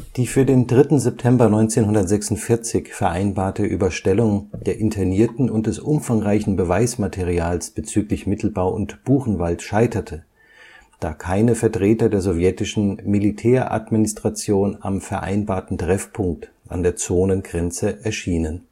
Die für den 3. September 1946 vereinbarte Überstellung der Internierten und des umfangreichen Beweismaterials bezüglich Mittelbau und Buchenwald scheiterte, da keine Vertreter der sowjetischen Militäradministration am vereinbarten Treffpunkt an der Zonengrenze erschienen